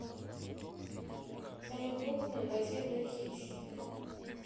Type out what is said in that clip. самый крупный наземный хищник